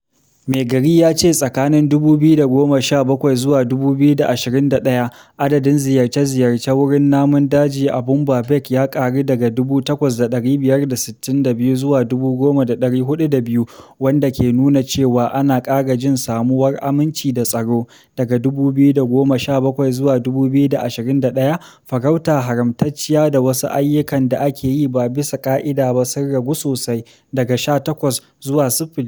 Meigari ya ce tsakanin 2017 zuwa 2021, adadin ziyarce-ziyarce wurin namun daji a Boumba Bek ya ƙaru daga 8,562 zuwa 10,402, wanda ke nuna cewa ana ƙara jin samuwar aminci da tsaro: "Daga 2017 zuwa 2021, farautar haramtacciya da wasu ayyukan da ake yi ba bisa ƙa'ida ba sun ragu sosai, daga 18 zuwa 0."